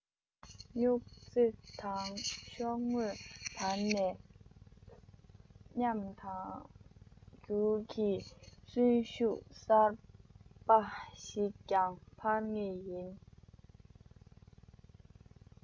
སྨྱུག རྩེ དང ཤོག ངོས བར ནས ཉམས དང འགྱུར གྱི གསོན ཤུགས གསར པ ཞིག ཀྱང འཕར ངེས ཡིན